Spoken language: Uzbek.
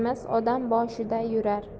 emas odam boshida yurar